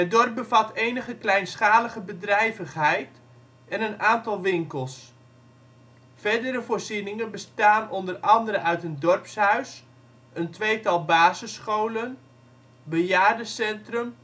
dorp bevat enige kleinschalige bedrijvigheid en een aantal winkels. Verdere voorzieningen bestaan onder andere uit een dorpshuis, een tweetal basisscholen, bejaardencentrum